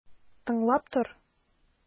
Тыңлап тор!